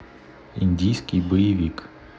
индийский боевик